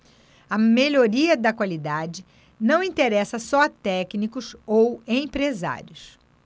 a melhoria da qualidade não interessa só a técnicos ou empresários